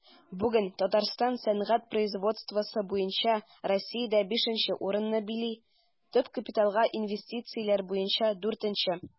Бүген Татарстан сәнәгать производствосы буенча Россиядә 5 нче урынны били, төп капиталга инвестицияләр буенча 4 нче.